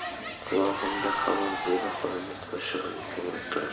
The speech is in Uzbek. qulog'imda hamon zebi xolaning qo'shig'i yangrab turar